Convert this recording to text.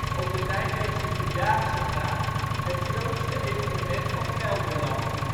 op de Nijmeegse vierdaagse na, het grootste evenement van Gelderland